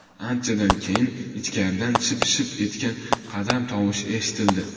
anchadan keyin ichkaridan ship ship etgan qadam tovushi eshitildi